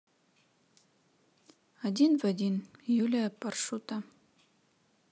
один в один юлия паршута